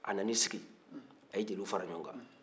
a nan'i sigi a ye jeliw fara ɲɔgɔn kan